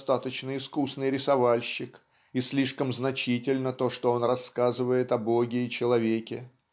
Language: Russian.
достаточно искусный рисовальщик, и слишком значительно то, что он рассказывает о Боге и человеке